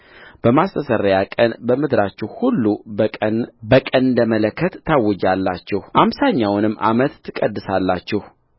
በማስተስረያ ቀን በምድራችሁ ሁሉ በቀንደ መለከት ታውጃላችሁአምሳኛውንም ዓመት ትቀድሳላችሁ